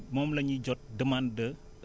moom la ñuy jot demande de